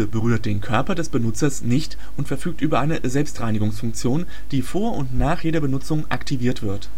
berührt den Körper des Benutzers nicht und verfügt über eine Selbstreinigungsfunktion, die vor und nach jeder Benutzung aktiviert wird